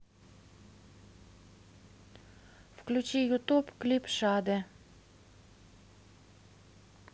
включи ютуб клип шаде